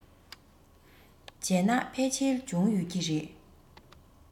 བྱས ན ཕལ ཆེར བྱུང ཡོད ཀྱི རེད